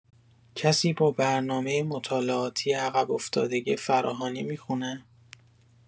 کسی با برنامه مطالعاتی عقب‌افتادگی فراهانی می‌خونه؟